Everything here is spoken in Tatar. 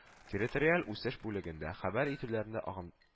Территориаль үсеш бүлегендә хәбәр итүләренә, агым